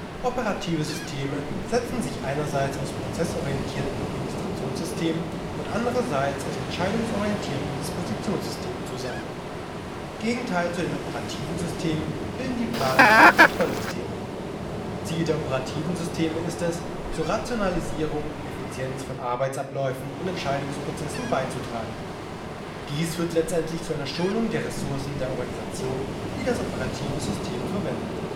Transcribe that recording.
Operative Systeme setzen sich einerseits aus prozessorientierten Administrationssystemen und andererseits aus entscheidungsorientierten Dispositionssystemen zusammen. Gegenteil zu den Operativen Systemen bilden die Planungs - und Kontrollsysteme. Ziel der operativen Systeme ist es, zur Rationalisierung und Effizienz von Arbeitsabläufen und Entscheidungsprozessen beizutragen. Dies führt letztendlich zu einer Schonung der (knappen) Ressourcen der Organisation, die das operative System verwendet